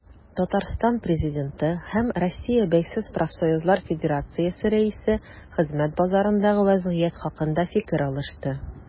Татарстан Президенты һәм Россия Бәйсез профсоюзлар федерациясе рәисе хезмәт базарындагы вәзгыять хакында фикер алышты.